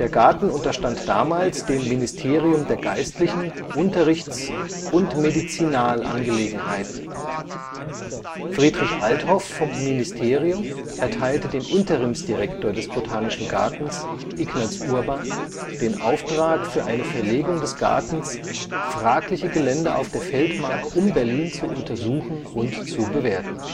Garten unterstand damals dem Ministerium der geistlichen, Unterrichts - und Medizinalangelegenheiten. Friedrich Althoff vom Ministerium erteilte dem Interimsdirektor des Botanischen Gartens, Ignaz Urban, den Auftrag für eine Verlegung des Gartens, fragliche Gelände auf der Feldmark um Berlin zu untersuchen und zu bewerten